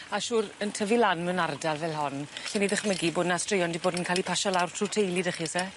A siŵr yn tyfu lan mewn ardal fel hon 'llwn i ddychmygu bo' 'na straeon 'di bod yn ca'l 'u pasio lawr trw teulu 'dy chi o's e?